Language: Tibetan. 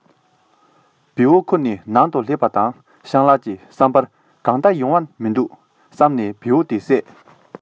བེའུ འཁུར ནས ནང དུ སླེབས པ དང སྤྱང ལགས ཀྱི བསམ པར གང ལྟར ཡོང བ མི འདུག བསམས ནས བེའུ དེ བསད